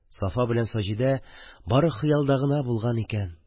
Сафа белән Саҗидә бары хыялда гына булган икән.